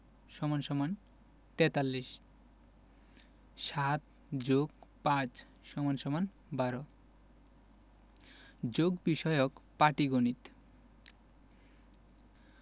= ৪৩ ৭+৫ = ১২ যোগ বিষয়ক পাটিগনিতঃ